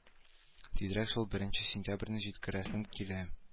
Тизрәк шул беренче сентябрьне җиткерәсем килә